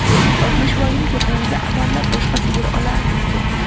oltmishvoyim kelganida amallab boshqa sigir olarmiz debdi